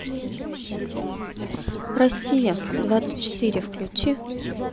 россия двадцать четыре включи